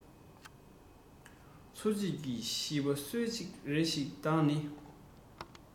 འཚོ བཅུད ཀྱི ཤིས པ སྩོལ ཅིག རེ ཞིག བདག ནི